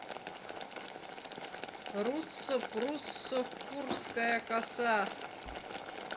руссо пруссо куршская коса